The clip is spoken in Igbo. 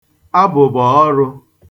abụ̀bọ̀ọrụ̄